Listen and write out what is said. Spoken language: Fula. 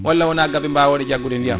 walla wona gabbe bawoɗe jaggude ndiyam